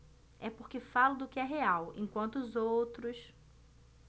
é porque falo do que é real enquanto os outros